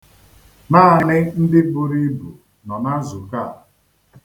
Naanị ndị buru ibu nọ na nzụkọ a.